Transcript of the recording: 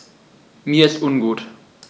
Mir ist ungut.